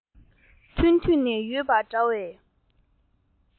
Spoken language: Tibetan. ཐོན དུས ནས ཡོད པ འདྲ བས